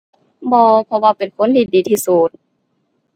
บ่ เพราะว่าเป็นคนที่ดีที่สุด